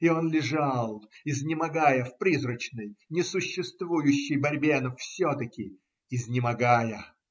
И он лежал, изнемогая в призрачной, несуществующей борьбе, но все-таки изнемогая.